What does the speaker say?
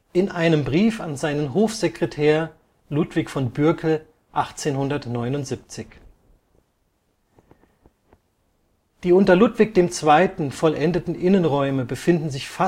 in einem Brief an seinen Hofsekretär Ludwig von Bürkel, 1879 Grundriss der geplanten Gesamtanlage, in der oberen Bildhälfte die nicht realisierten Flügelbauten Eingangshalle Die unter Ludwig II. vollendeten Innenräume befinden sich